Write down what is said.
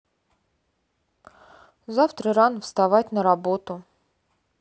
завтра рано вставать на работу